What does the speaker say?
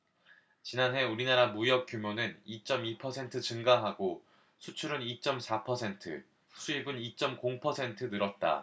지난해 우리나라 무역 규모는 이 쩜 이 퍼센트 증가하고 수출은 이 쩜 사 퍼센트 수입은 이 쩜 공 퍼센트 늘었다